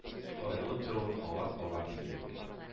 Белән аерылып торуын аңлап алган иде инде